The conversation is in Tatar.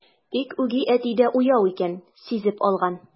Тик үги әти дә уяу икән, сизеп алган.